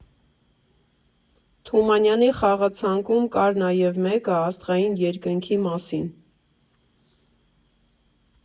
Թումանյանի խաղացանկում կար նաև մեկը՝ աստղային երկնքի մասին։